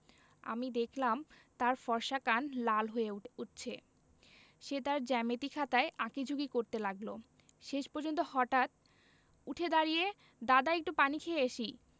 আমি দেখলাম তার ফর্সা কান লাল হয়ে উঠছে সে তার জ্যামিতি খাতায় আঁকি ঝুকি করতে লাগলো শেষ পর্যন্ত হঠাৎ উঠে দাড়িয়ে দাদা একটু পানি খেয়ে আসি